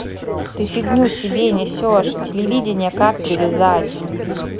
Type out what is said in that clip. ты фигню себе несешь телевидение как привязать